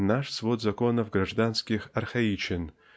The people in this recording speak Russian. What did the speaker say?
наш свод законов гражданских архаичен